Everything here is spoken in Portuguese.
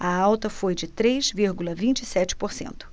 a alta foi de três vírgula vinte e sete por cento